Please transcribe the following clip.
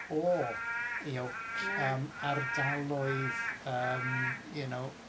O y'know ll- yym ardaloedd yym y'know...